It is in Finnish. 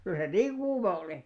kyllä se niin kuuma oli